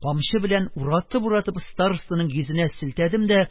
Камчы белән уратып-уратып старостаның йөзенә селтәдем дә,